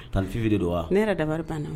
Kafiwuri don wa ne yɛrɛ dabaliri banna na